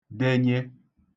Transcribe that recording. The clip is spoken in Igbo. denye